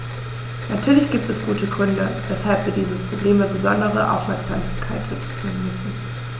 Natürlich gibt es gute Gründe, weshalb wir diesem Problem besondere Aufmerksamkeit widmen müssen.